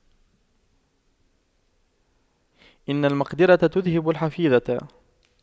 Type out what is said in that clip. إن المقْدِرة تُذْهِبَ الحفيظة